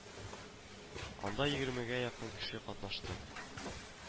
Анда егермегә якын кеше катнашты